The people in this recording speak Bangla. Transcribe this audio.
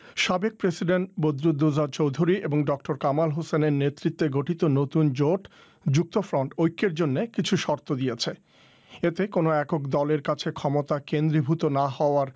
সাবেক প্রেসিডেন্ট বদরুদ্দোজা চৌধুরী এবং ডঃ কামাল হোসেনের নেতৃত্বে গঠিত নতুন জোট যুক্তফ্রন্ট ঐক্যের জন্য কিছু শর্ত দিয়েছে একক দলের কাছে ক্ষমতা কেন্দ্রীভূত না হওয়ার